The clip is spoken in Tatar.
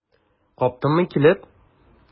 Каптыңмы килеп?